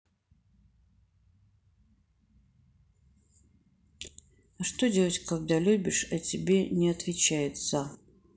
а что делать когда любишь а тебе не отвечает за